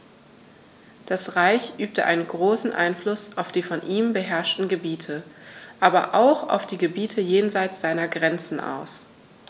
Das Reich übte einen großen Einfluss auf die von ihm beherrschten Gebiete, aber auch auf die Gebiete jenseits seiner Grenzen aus.